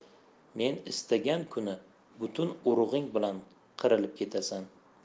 men istagan kuni butun urug'ing bilan qirilib ketasan